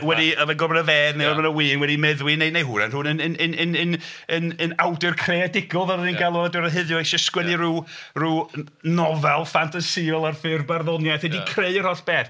Wedi yfed gormod o fedd neu... ia. ...gormod o win a wedi meddwi neu neu hwyrach yn yn yn yn yn yn awdur creadigol fel dan ni'n... ia. ...galw nhw diwrnod heddiw isio sgwennu... ia. ...ryw ryw n- nofel ffantasiol ar ffurf barddoniaeth... ia. ...a 'di creu yr holl beth.